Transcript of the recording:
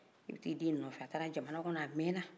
i bɛ t'i den nɔfɛ a taara jamana kɔnɔ a mɛna